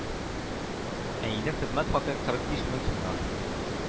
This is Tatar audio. Ә инде хезмәт хакы кырык биш мең сумнан